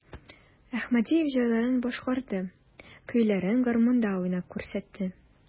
Әхмәдиев җырларын башкарды, көйләрен гармунда уйнап күрсәтте.